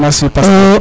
merci pasteur